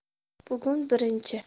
bugun birinchi